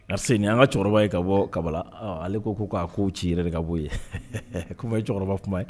Merci nin yan ka cɛkɔrɔba ye ka bɔ kabala . Ale ko , ko ka ko ci yɛrɛ de ka bɔ yen. Numa ye cɛkɔrɔba kunma ye.